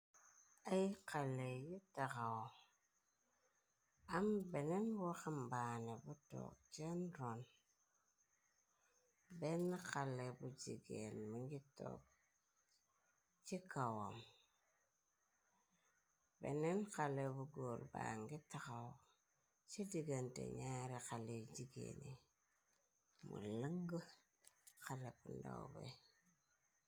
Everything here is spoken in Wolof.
Ay xale yi taxaw am beneen woxambaane bu took cen ron. Benn xale bu jigeen mi ngi toog ci kawam. Beneen xale bu góor ba ngi taxaw ci digante ñaari xale yi jigeeni mu lëng xale b ndaw be.